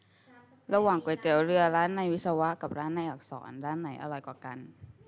ระหว่างก๋วยเตี๋ยวเรือร้านในวิศวะกับร้านในอักษรร้านไหนอร่อยกว่ากัน